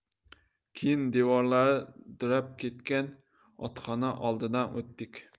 keyin devorlari nurab ketgan otxona oldidan o'tdik